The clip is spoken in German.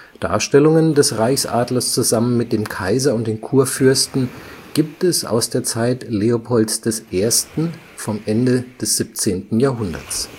Darstellungen des Reichsadler zusammen mit dem Kaiser und den Kurfürsten gibt es aus der Zeit Leopolds I. vom Ende des 17. Jahrhunderts